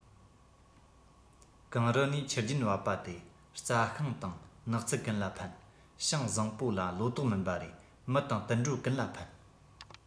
གངས རི ནས ཆུ རྒྱུན བབས པ དེ རྩྭ ཤིང དང ནགས ཚལ ཀུན ལ ཕན ཞིང བཟང པོ ལ ལོ ཏོག སྨིན པ རེད མི དང དུད འགྲོ ཀུན ལ ཕན